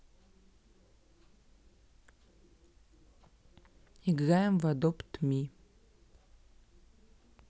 играем в adopt me